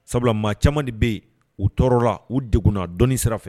Sabula maa caman de bɛ yen u tɔɔrɔ la u degna dɔnnii sira fɛ